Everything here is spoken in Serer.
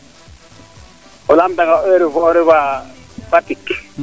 o laam tanga heure fee o refa Fatick